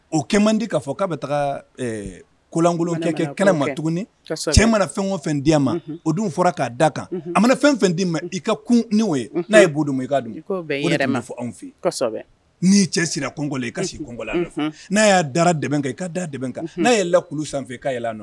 O kɛlen man di k'a fɔ k'a bɛ taga kolonlankolonkɛ kɛ kɛlɛ ma tuguni cɛ mana fɛn kɔ fɛn di' ma o dun fɔra k'a da kan a mana fɛn fɛn'i ma i ka kun n'o ye n'a ye' don i ka don i yɛrɛ ma fɔ anw fɛ n'i cɛ siri kogɔ i ka kogɔ kan n'a y'a da dɛ kɛ i ka da dɛ kan n'a yeɛlɛn la kulu sanfɛ fɛ i'a yɛlɛla na